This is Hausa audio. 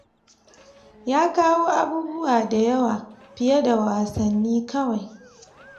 Ya kawo abubuwa da yawa fiye da wassani kawai.”